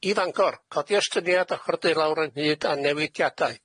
I Fangor codi estyniad ochor deulawr ynghyd â newidiadau.